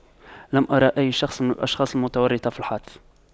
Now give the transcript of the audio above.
لم أرى أي شخص من الأشخاص المتورطة في الحادث